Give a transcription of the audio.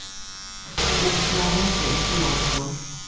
buksurnar hanga ikki longur